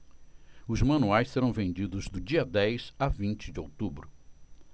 os manuais serão vendidos do dia dez a vinte de outubro